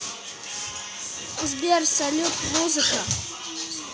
сбер салют музыка